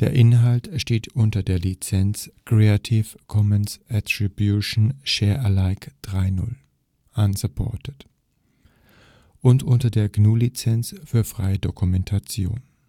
Inhalt steht unter der Lizenz Creative Commons Attribution Share Alike 3 Punkt 0 Unported und unter der GNU Lizenz für freie Dokumentation